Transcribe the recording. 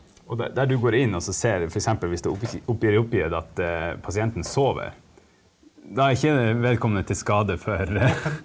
og der du går inn også ser du f.eks. hvis det ikke er oppgitt at pasienten sover, da er ikke vedkommende til skade for .